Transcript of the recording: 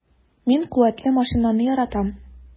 Мин куәтле машинаны яратам.